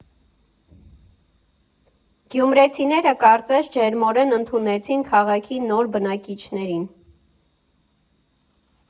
Գյումրեցիները, կարծես, ջերմորեն ընդունեցին քաղաքի նոր բնակիչներին։